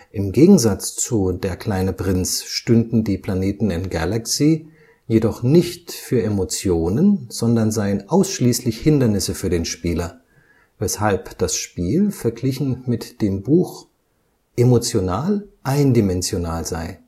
Im Gegensatz zu Der kleine Prinz stünden die Planeten in Galaxy jedoch nicht für Emotionen, sondern seien ausschließlich Hindernisse für den Spieler, weshalb des Spiel verglichen mit dem Buch „ emotional eindimensional “sei